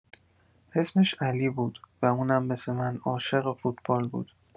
اسمش علی بود و اونم مثل من عاشق فوتبال بود.